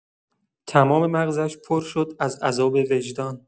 تمام مغزش پر شد از عذاب وجدان.